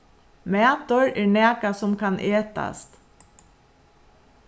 matur er nakað sum kann etast